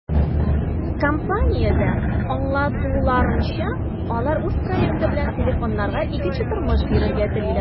Компаниядә аңлатуларынча, алар үз проекты белән телефоннарга икенче тормыш бирергә телиләр.